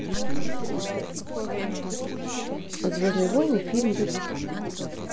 звездные войны фильм ютуб